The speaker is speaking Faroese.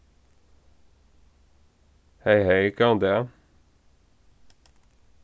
hey hey góðan dag